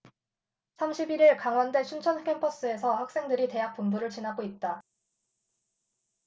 삼십 일 일 강원대 춘천캠퍼스에서 학생들이 대학본부를 지나고 있다